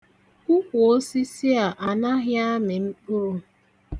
Ukwuosisi a anaghị amị mkpụrụ.